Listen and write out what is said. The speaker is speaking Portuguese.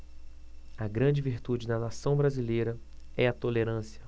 a grande virtude da nação brasileira é a tolerância